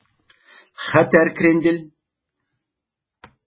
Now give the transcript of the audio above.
Хәтәр крендель